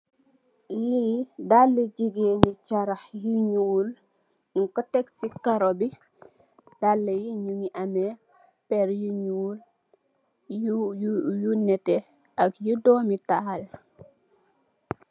Li daali jigéen yu charah yu ñuul nung ko tèk ci karo bi. Daal yi nungi ameh pèrr yu ñuul yu nètè ak yu doomital.